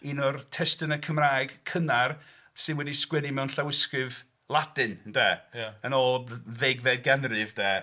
Un o'r testunau Cymraeg cynnar sydd wedi'i 'sgwennu mewn llawysgrif Ladin ynde... Ia... yn ôl ddeuddegfed ganrif 'de.